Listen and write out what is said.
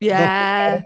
Yeah.